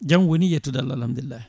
jaam woni yettude Allah alhamdulillahi